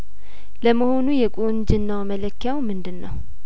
ለመሆኑ የቁንጅናው መለኪያውምንድነው